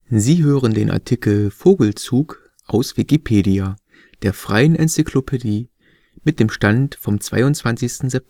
Sie hören den Artikel Vogelzug, aus Wikipedia, der freien Enzyklopädie. Mit dem Stand vom Der